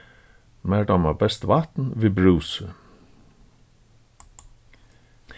mær dámar best vatn við brúsi